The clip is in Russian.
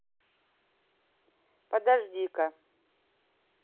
подожди ка